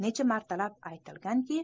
necha martalab aytilganki